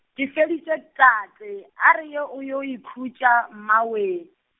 ke feditše tate, a re ye o yo ikhutša mmawee.